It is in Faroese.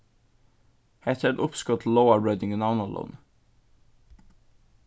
hetta er eitt uppskot til lógarbroyting í navnalógini